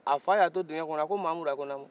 a fa y'a to dingɛ kɔnɔ a ko naamu